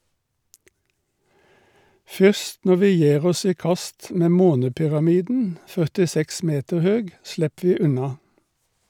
Fyrst når vi gjer oss i kast med månepyramiden , 46 meter høg , slepp vi unna.